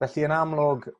Felly yn amlwg